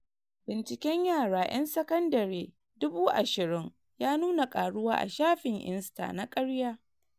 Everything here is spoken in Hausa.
Binciken yara yan sakandare 20,000 ya nuna karuwa a shafin “Insta na karya”